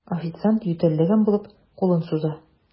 Официант, ютәлләгән булып, кулын суза.